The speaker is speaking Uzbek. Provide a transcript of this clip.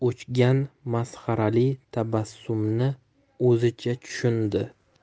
o'chgan masxarali tabassumni o'zicha tushundi